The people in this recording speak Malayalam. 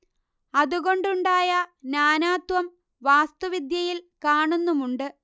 അതുകൊണ്ടുണ്ടായ നാനാത്വം വാസ്തുവിദ്യയിൽ കാണുന്നുമുണ്ട്